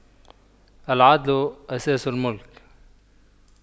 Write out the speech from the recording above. العدل أساس الْمُلْك